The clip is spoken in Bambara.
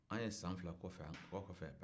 an ye san fila k'o kɔfɛ